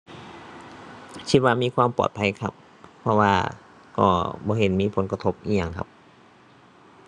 คิดว่ามีความปลอดภัยครับ เพราะว่า ก็ บ่เห็นมีผลกระทบอิหยังครับ